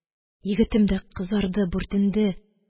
Егетем дә кызарды, бүртенде